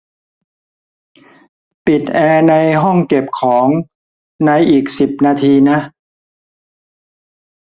ปิดแอร์ในห้องเก็บของในอีกสิบนาทีนะ